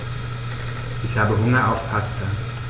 Ich habe Hunger auf Pasta.